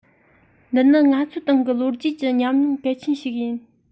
འདི ནི ང ཚོའི ཏང གི ལོ རྒྱུས ཀྱི ཉམས མྱོང གལ ཆེན ཞིག ཡིན